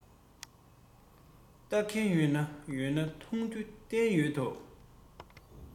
ལྟ མཁན ཡོད ན མ ཡོང ན མཐོང རྒྱུ བསྟན ཡོད དོ